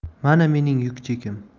mana mening yuk chekim